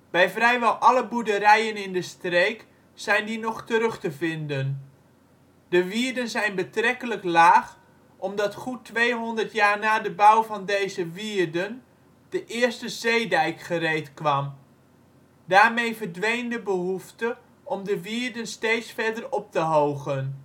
Bij vrijwel alle boerderijen in de streek zijn die nog terug te vinden. De wierden zijn betrekkelijk laag, omdat goed tweehonderd jaar na de bouw van deze wierden de eerste zeedijk gereed kwam. Daarmee verdween de behoefte om de wierden steeds verder op te hogen